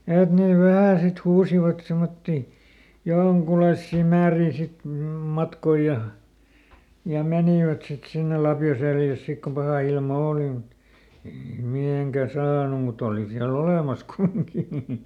että ne vähän sitten huusivat semmoisia jonkunlaisia määriä sitten - matkoja ja ja menivät sitten sinne lapio selässä sitten kun paha ilma oli mutta ei niitä mihinkään saanut mutta oli siellä olemassa kumminkin